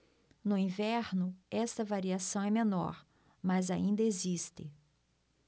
no inverno esta variação é menor mas ainda existe